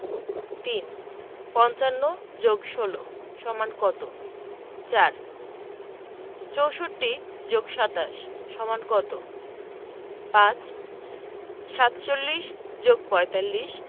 ৩ ৫৫ + ১৬ = কত ৪ ৬৪ + ২৭ = কত ৫ ৪৭ + ৪৫